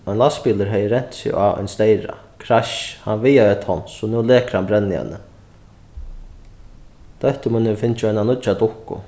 ein lastbilur hevði rent seg á ein steyra krassj hann vigaði eitt tons og nú lekur hann brennievni dóttir mín hevur fingið eina nýggja dukku